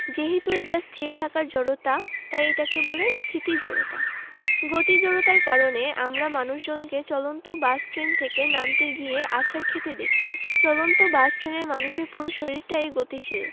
যেহেতু এটা স্থির থাকার জড়তা তাই এটাকে বলে স্থিতি জড়তা গতি জড়তার কারণে আমরা মানুষজনকে চলন্ত বাস ট্রেন থেকে নামতে গিয়ে আছাড় খেতে দেখি চলন্ত বাস ট্রেনের মানুষটির পুরো শরীরটাই গতিশীল